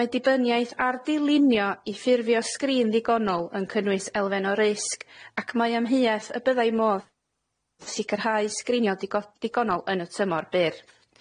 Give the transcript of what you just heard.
Mae dibyniaeth ar dirlunio i ffurfio sgrin ddigonol yn cynnwys elfen o risg, ac mae amheuaeth y byddai modd sicrhau sgrinio digo- digonol yn y tymor byr.